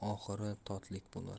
bo'lsa oxiri totlik bo'lar